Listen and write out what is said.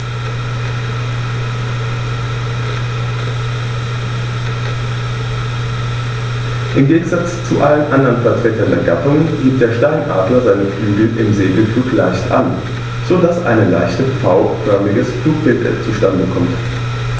Im Gegensatz zu allen anderen Vertretern der Gattung hebt der Steinadler seine Flügel im Segelflug leicht an, so dass ein leicht V-förmiges Flugbild zustande kommt.